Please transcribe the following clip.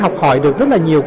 rất là nhiều